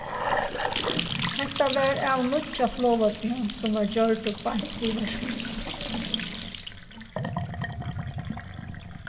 hetta var av nýggja flogvøllinum sum var gjørdur beint við verksmiðjuna